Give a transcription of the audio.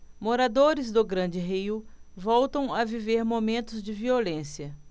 moradores do grande rio voltam a viver momentos de violência